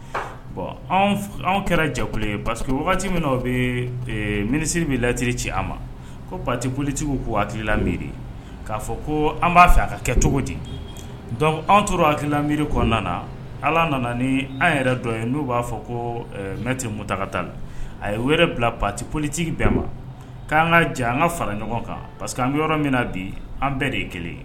Bon anw kɛra jɛ ye pa parce que wagati min bɛ minisiri bɛ lattiriri ci an ma ko patiolitigi ko la miiri k' fɔ ko an b'a fɛ ka kɛ cogo di dɔnku anw tora haki la miri kɔnɔna na ala nana ni an yɛrɛ dɔn n'u b'a fɔ ko mɛti mutakata a ye wɛrɛ bila pati politigi bɛɛ ma k'an ka jan an ka fara ɲɔgɔn kan pa que an bɛ yɔrɔ min na bi an bɛɛ de ye kelen